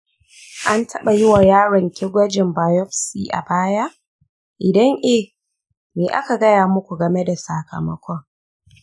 an taɓa yi wa yaron ki gwajin biopsy a baya? idan eh, me aka gaya muku game da sakamakon?